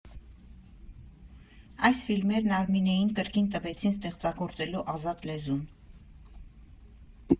Այս ֆիլմերն Արմինեին կրկին տվեցին ստեղծագործելու ազատ լեզուն.